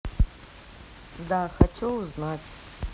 да хочу узнать